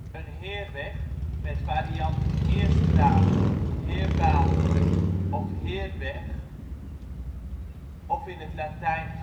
Een heerweg, met varianten heerstraat, heirbaan (niet te verwarren met heerban) of heirweg of in het Latijn via